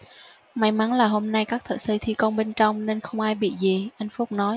may mắn là hôm nay các thợ xây thi công bên trong nên không ai bị gì anh phúc nói